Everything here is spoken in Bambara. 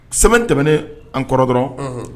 Sɛ tɛmɛnen an kɔrɔ dɔrɔn